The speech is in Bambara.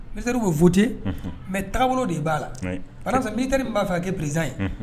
Mitari fote mɛ taabolo de b'a la n mitari b' fɛ kɛ pz ye